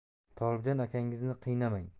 tolibjon akangizni qiynamang